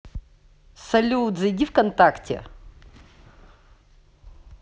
салют зайди вконтакте